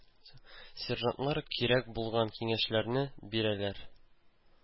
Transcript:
Сержантлар кирәк булган киңәшләрне бирәләр.